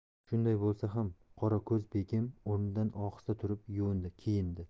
shunday bo'lsa ham qorako'z begim o'rnidan ohista turib yuvindi kiyindi